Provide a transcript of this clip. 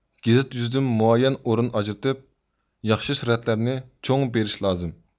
گېزىت يۈزىدىن مۇئەييەن ئورۇن ئاجرىتىپ ياخشى سۈرەتلەرنى چوڭ بېرىش لازىم